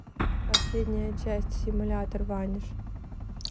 последняя часть симулятор ваниш